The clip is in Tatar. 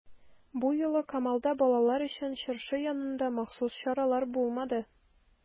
Бу юлы Камалда балалар өчен чыршы янында махсус чаралар булмады.